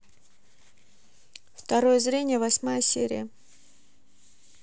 второе зрение восьмая серия